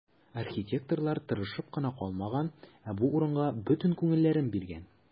Архитекторлар тырышып кына калмаган, ә бу урынга бөтен күңелләрен биргән.